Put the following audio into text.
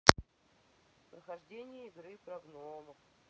прохождение игры про гномов